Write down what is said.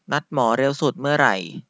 นัดหมอเร็วสุดเมื่อไหร่